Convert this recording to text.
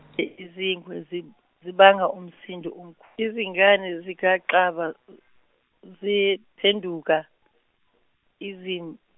i- izingwe zib- zibanga umsindo omkhu- izingane zikaXaba, ziphenduka izin-.